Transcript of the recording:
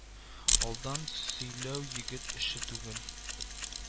Алдан сөйләү егет эше түгел